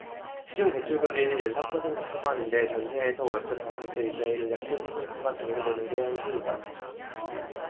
시중 대출금리는 연 삼 퍼센트 초반인데 전세에서 월세로 바꿀 때 이자율은 약 칠 퍼센트가 적용되는 게 현실이다